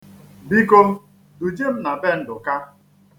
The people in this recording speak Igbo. Biko duje m na be Nduka.